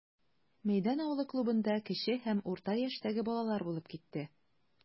Мәйдан авылы клубында кече һәм урта яшьтәге балалар булып китте.